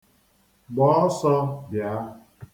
Gbaa ọsọ bịa!